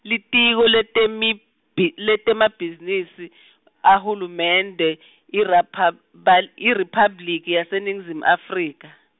Litiko letemibhi-, leTemabhizinisi, ahulumende, iRaphabl-, IRiphabliki yeNingizimu Afrika.